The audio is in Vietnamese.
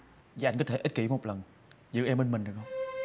dạy anh có thể ích kỉ một lần giữ em bên mình được